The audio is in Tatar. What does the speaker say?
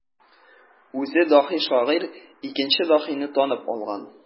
Үзе даһи шагыйрь икенче даһине танып алган.